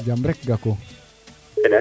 jam rek Gakou